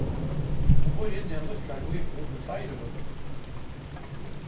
hon býr inni í eini lítlari íbúð við fleiri børnum